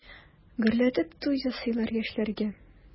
Гөрләтеп туй ясыйлар яшьләргә.